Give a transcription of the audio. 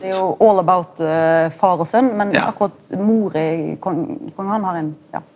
det er jo far og son men akkurat mora i kong har ein ja.